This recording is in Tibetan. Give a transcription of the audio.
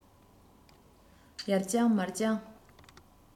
ཡར བརྐྱངས མར བརྐྱངས